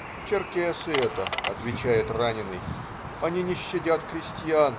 "Черкесы это,- отвечает раненый, они не щадят крестьян